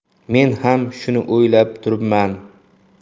men ham shuni o'ylab turibman